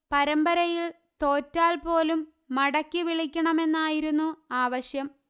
പരമ്പരയിൽ തോറ്റാൽ പോലും മടക്കി വിളിക്കണമെന്നായിരുന്നു ആവശ്യം